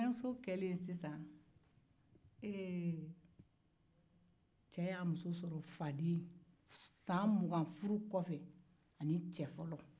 kɔjɔso kɛlen san mugan ani cɛ fɔlɔ ka furu kɔfɛ cɛ y'a muso sɔrɔ faden ye